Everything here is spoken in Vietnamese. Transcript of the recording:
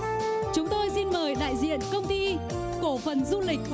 chúng tôi xin mời đại diện công ty cổ phần du lịch